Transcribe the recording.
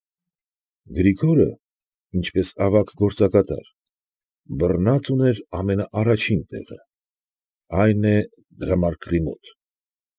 Գրիգորը, ինչպես ավագ գործակատար, բռնած ուներ ամենաառաջին տեղը, այն է դրամարկղի մոտ։